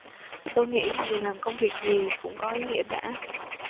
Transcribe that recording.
tôi nghĩ dù làm công việc gì cũng có ý nghĩa cả